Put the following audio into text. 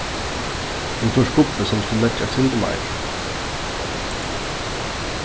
um tú er gubbi so mást tú leggja eitt sindur meir